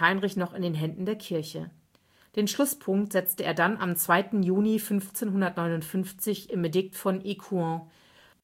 Heinrich noch in den Händen der Kirche. Den Schlusspunkt setzte er dann am 2. Juni 1559 im Edikt von Écouen: